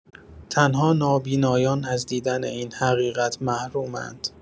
تنها نابینایان از دیدن این حقیقت محرومند.